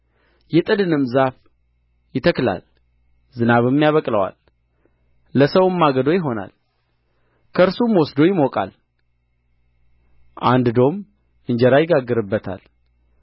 የጥድንም ዛፍ ይተክላል ዝናብም ያበቅለዋል ለሰውም ማገዶ ይሆናል ከእርሱም ወስዶ ይሞቃል አንድዶም እንጀራ ይጋግርበታል